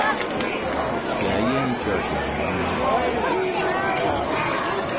skaðin gjørdi hann lamnan